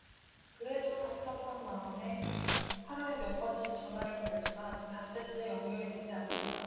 그래도 답답한 마음에 하루에 몇 번씩 전화를 걸지만 닷새째 연결이 되지 않는다